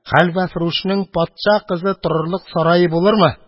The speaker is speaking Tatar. Хәлвәфрүшнең патша кызы торырлык сарае булырмы?